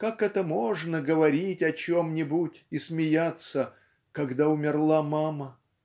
как это можно говорить о чем-нибудь и смеяться, когда умерла мама?